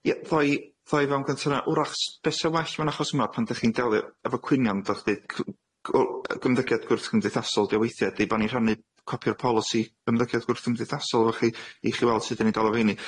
Ia ddo i, ddo i fewn gynta 'na. Wrach s- be' se'n well mewn achos yma pan dech chi'n delio efo cwynion dach chdi c- c- o-, yy ymddygiad gwrthgymdeithasol 'di o weithie, ydi bo' ni rhannu copia o'r polisi ymddygiad gwrthgymdeithasol efo chi, i chi weld sud 'dyn ni'n delio 'fo heini.